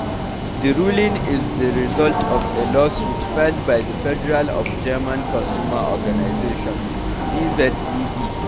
The ruling is the result of a lawsuit filed by the Federation of German consumer organizations, VZBV.